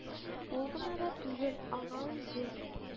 Ул гына да түгел, аңа үзе